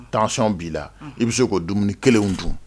Tcɔn b'i la i bɛ se k ka dumuni kelen dun